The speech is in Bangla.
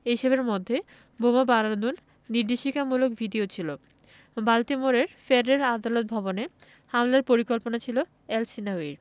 এসবের মধ্যে বোমা বানানোর নির্দেশিকামূলক ভিডিও ছিল বাল্টিমোরের ফেডারেল আদালত ভবনে হামলার পরিকল্পনা ছিল এলসহিনাউয়ির